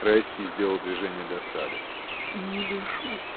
Райский сделал движение досады. — Не дышу!